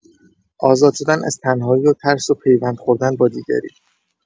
آزاد شدن از تنهایی و ترس و پیوند خوردن با دیگری.